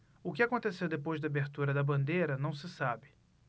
o que aconteceu depois da abertura da bandeira não se sabe